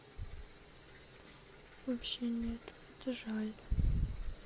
вообще нету это жаль